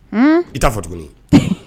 I t'a fɔ tuguni .